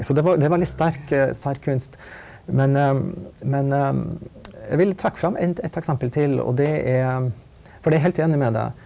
så det det er veldig sterk sterk kunst, men men jeg vil trekke fram en et eksempel til og det er for det er helt enig med deg.